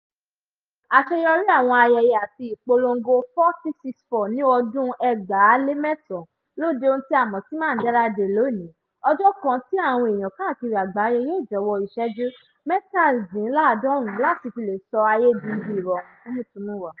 Àṣeyọrí àwọn ayeye àti ipolongo 46664 ní ọdún 2009 ló di ohun tí a mọ̀ sí “Mandela Day” lónìí, ọjọ́ kan tí àwọn eèyàn káàkirì àgbáyé yóò jọ̀wọ́ ìṣẹ́jú 67 láti fi lè sọ ayé di ibi ìrọ̀rùn fún mùtúmùwà.